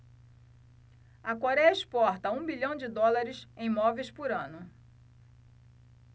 a coréia exporta um bilhão de dólares em móveis por ano